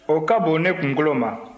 o ka bon ne kunkolo ma